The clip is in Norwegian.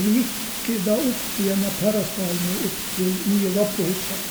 Vi gikk da opp gjennom Parasdalen og opp til nye Gappohytta.